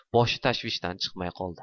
boshi tashvishdan chiqmay qoldi